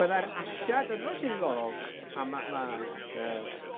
Byddai'r asiad, a dyma sy'n ddiddorol, a ma' ma' yy